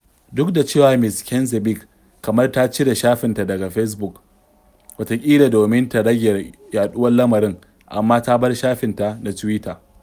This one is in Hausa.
Duk da cewa Ms. Knezeɓic kamar ta cire shafinta daga Fesbuk, wataƙila domin ta rage yaɗuwar lamarin, amma ta bar shafinta na Tuwita.